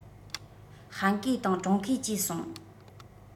ཧན གོའི དང ཀྲུང གོའི ཅེས གསུང